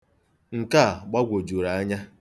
Nke a gbagwojuru anya.